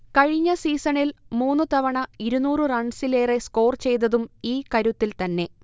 കഴിഞ്ഞ സീസണിൽ മൂന്നുതവണ ഇരുന്നൂറ് റൺസിലേറെ സ്കോർ ചെയ്തതും ഈ കരുത്തിൽത്തന്നെ